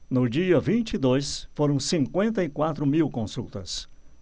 no dia vinte e dois foram cinquenta e quatro mil consultas